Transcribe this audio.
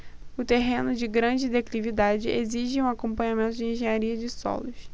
o terreno de grande declividade exige um acompanhamento de engenharia de solos